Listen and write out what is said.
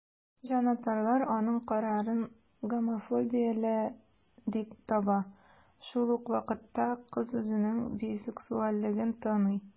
Җанатарлар аның карарын гомофобияле дип таба, шул ук вакытта кыз үзенең бисексуальлеген таный.